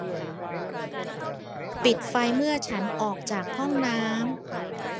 ปิดไฟเมื่อฉันออกจากห้องน้ำ